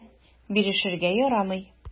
Белә: бирешергә ярамый.